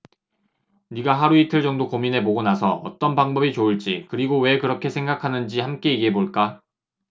네가 하루 이틀 정도 고민해 보고 나서 어떤 방법이 좋을지 그리고 왜 그렇게 생각하는지 함께 얘기해 볼까